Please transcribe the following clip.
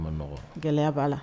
Gɛlɛya b'a la